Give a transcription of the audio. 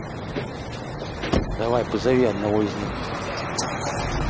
давай позови одного из них